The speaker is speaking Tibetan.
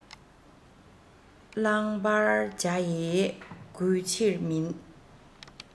བླང བར བྱ ཡི གུས ཕྱིར མིན